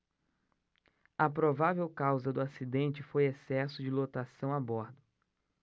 a provável causa do acidente foi excesso de lotação a bordo